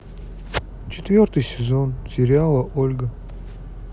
четвертый сезон сериала ольга